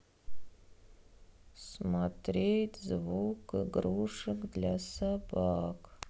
смотреть звук игрушек для собак